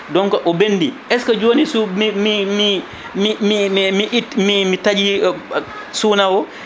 donc o ɓendi est ce que joni mi mi taaƴi suuna o